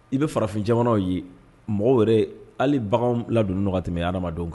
I bɛ farafin jamana ye mɔgɔw yɛrɛ hali bagan ladontɛmɛ hadamadenw kan